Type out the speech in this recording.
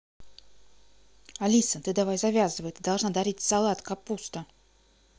алиса ты давай завязывай ты должна дарить салат капуста